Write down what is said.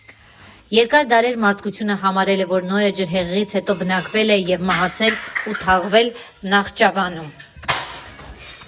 Երկար դարեր մարդկությունը համարել է, որ Նոյը ջրհեղեղից հետո բնակվել է և մահացել ու թաղվել Նախճավանում։